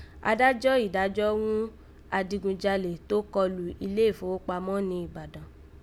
Adájọ́ ìdájọ́ ghún adigunjalè tó kọlù ilé ìfoghókpamọ́ ni Ìbàdàn